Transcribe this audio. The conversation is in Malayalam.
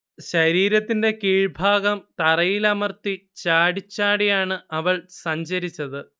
ശരീരത്തിന്റെ കീഴ്ഭാഗം തറയിലമർത്തി ചാടിച്ചാടിയാണ് അവൾ സഞ്ചരിച്ചത്